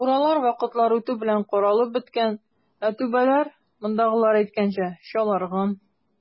Буралар вакытлар үтү белән каралып беткән, ә түбәләр, мондагылар әйткәнчә, "чаларган".